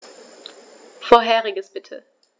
Vorheriges bitte.